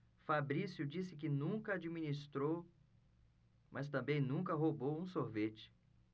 fabrício disse que nunca administrou mas também nunca roubou um sorvete